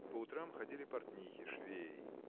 По утрам ходили портнихи, швеи.